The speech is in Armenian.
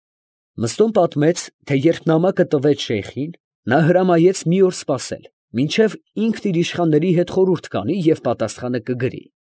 Մըստոն պատմեց, թե երբ նամակը տվեց շեյխին նա հրամայեց մի օր սպասել, մինչև ինքն իր իշխանների հետ խորհուրդ կանի և պատասխանը կգրի։